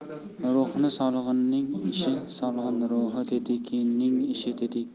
ruhi so'lg'inning ishi so'lg'in ruhi tetikning ishi tetik